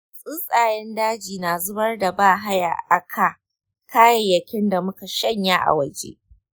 tsuntsayen daji na zubar da bahaya a ka kayayyakin da muka shanya a waje.